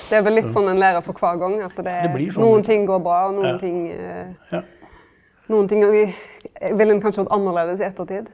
det er vel litt sånn ein lærer for kvar gong at det nokon ting går bra og nokon ting nokon ting ville ein kanskje gjort annleis i ettertid.